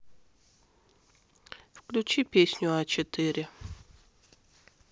включи песню а четыре